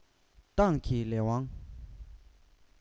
ཏང གི ལས དབང